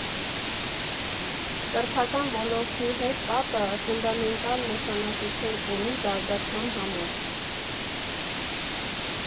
Կրթական ոլորտի հետ կապը ֆունդամենտալ նշանակություն ունի զարգացման համար։